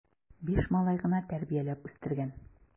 Биш малай гына тәрбияләп үстергән!